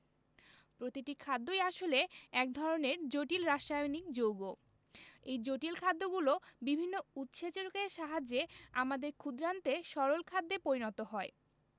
প্রতিটি খাদ্যই আসলে এক ধরনের জটিল রাসায়নিক যৌগ এই জটিল খাদ্যগুলো বিভিন্ন উৎসেচকের সাহায্যে আমাদের ক্ষুদ্রান্তে সরল খাদ্যে পরিণত হয়